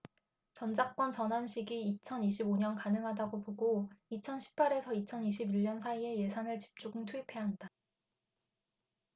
전작권 전환 시기 이천 이십 오 년 가능하다고 보고 이천 십 팔 에서 이천 이십 일 년 사이에 예산을 집중 투입해야 한다